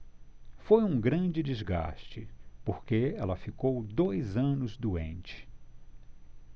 foi um grande desgaste porque ela ficou dois anos doente